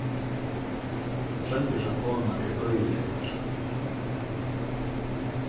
tróndursa kona er øgiliga ill